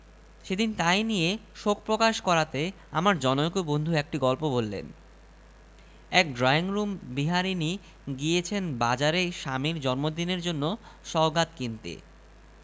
কিন্তু লাইব্রেরিটা যে কায়দায় গড়ে তুলেছি শেলফ তো আর সে কায়দায় যোগাড় করতে পারি নে শেলফ তো আর বন্ধুবান্ধবের কাছ থেকে ধার চাওয়া যায় না